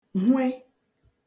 hwe